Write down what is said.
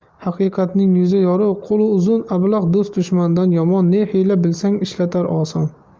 haqiqatning yuzi yorug' qo'li uzun ablah do'st dushmandan yomon ne hiyla bilsa ishlatar oson